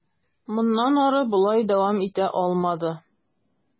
Моннан ары болай дәвам итә алмады.